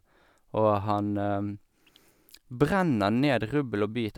Og han brenner ned rubbel og bit.